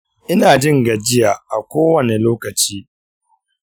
ina jin gajiya a kowane lokaci.